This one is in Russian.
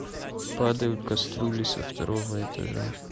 падают кастрюли со второго этажа